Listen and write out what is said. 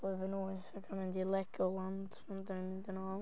Blwyddyn wyth ac yn mynd i Legoland pan dan ni'n mynd yn ôl.